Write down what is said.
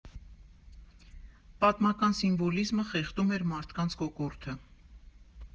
Պատմական սիմվոլիզմը խեղդում էր մարդկանց կոկորդը։